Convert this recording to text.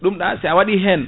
ɗum ɗa si a waɗi hen